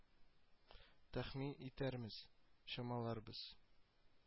Тәхмин итәрмез - чамаларбыз